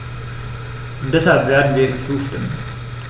Und deshalb werden wir ihm zustimmen.